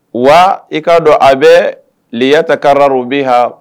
Wa i k'a dɔn a bɛ .